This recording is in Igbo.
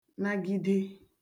nagide